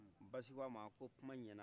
basiba ma ko kuma ɲɛna